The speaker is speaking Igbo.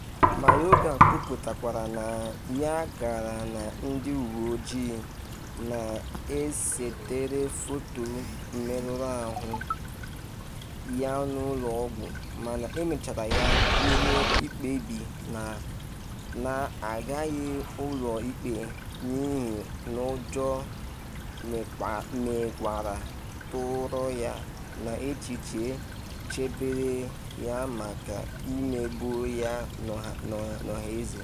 Mayorga kwuputakwara na ya gara na ndị uwe ojii na esetere foto mmerụ ahụ ya n’ụlọ ọgwụ, mana emechara ya kwenye ikpebi n’agaghị ụlọ ikpe n’ihi “n’ujo mmegwara tụrụ ya” na “echiche chebere ya maka imebọ ya n’ọhaeze.”